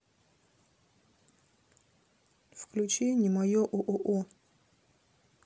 включи не мое о о о